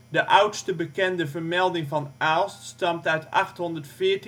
De oudste bekende vermelding van Aalst stamt uit 814/815